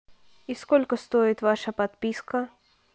и сколько стоит ваша подписка